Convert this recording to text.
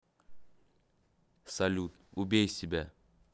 салют убей себя